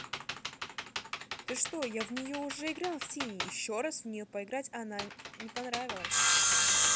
ты что я в нее уже играл в tiny еще раз в нее поиграть она не понравилась